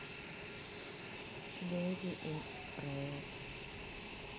леди ин рэд